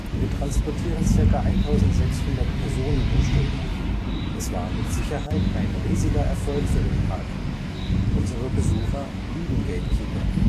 Wir transportieren ca. 1600 Personen pro Stunde. Es war mit Sicherheit ein riesiger Erfolg für den Park. Unsere Besucher lieben GateKeeper